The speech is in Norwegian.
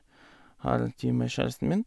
Har tid med kjæresten min.